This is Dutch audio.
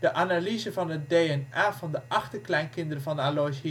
analyse van het DNA van de achterkleinkinderen van Alois Hitler